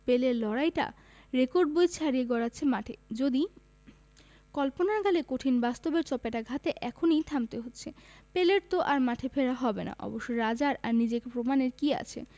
পেলের লড়াইটা রেকর্ড বই ছাড়িয়ে গড়াচ্ছে মাঠে যদি কল্পনার গালে কঠিন বাস্তবের চপেটাঘাতে এখানেই থামতে হচ্ছে পেলের তো আর মাঠে ফেরা হবে না অবশ্য রাজার আর নিজেকে প্রমাণের কী আছে